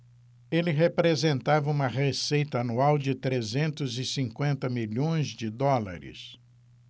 ele representava uma receita anual de trezentos e cinquenta milhões de dólares